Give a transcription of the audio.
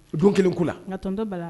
Don 1 ko la ŋa tonton Balla